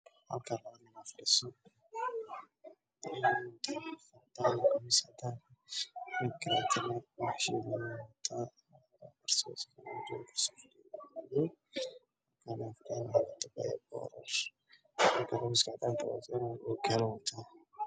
Waxaa fadhiya nin oday